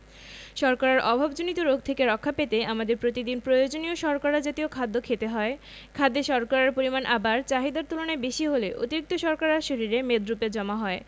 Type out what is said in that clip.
শর্করার অভাবজনিত রোগ থেকে রক্ষা পেতে আমাদের প্রতিদিন প্রয়োজনীয় শর্করা জাতীয় খাদ্য খেতে হয় খাদ্যে শর্করার পরিমাণ আবার চাহিদার তুলনায় বেশি হলে অতিরিক্ত শর্করা শরীরে মেদরুপে জমা হয়